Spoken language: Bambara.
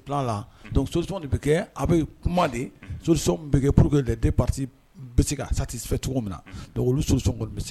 Bɛ a bɛ kuma bɛ kɛ pur de pa bɛ seti fɛ cogo min na so bɛ